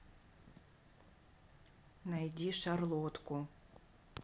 найди шарлотку